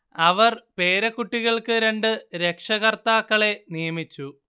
അവർ പേരക്കുട്ടികൾക്ക് രണ്ടു രക്ഷകർത്താക്കളെ നിയമിച്ചു